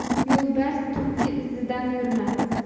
yo'lbars tulki izidan yurmas